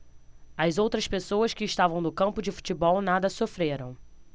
as outras pessoas que estavam no campo de futebol nada sofreram